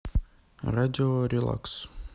радио релакс